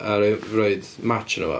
A rhoi- rhoid match ynddo fo,